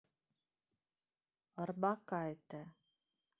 орбакайте